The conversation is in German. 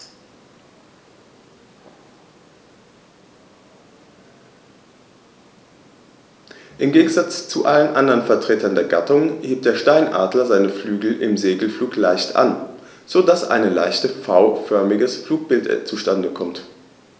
Im Gegensatz zu allen anderen Vertretern der Gattung hebt der Steinadler seine Flügel im Segelflug leicht an, so dass ein leicht V-förmiges Flugbild zustande kommt.